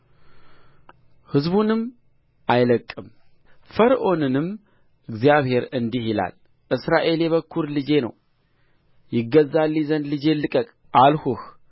ሕዝቡንም አይለቅቅም ፈርዖንንም እግዚአብሔር እንዲህ ይላል እስራኤል የበኵር ልጄ ነው ይገዛልኝ ዘንድ ልጄን ልቀቅ አልሁህ